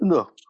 yndw